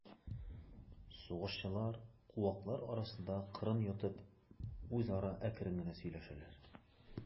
Сугышчылар, куаклар арасында кырын ятып, үзара әкрен генә сөйләшәләр.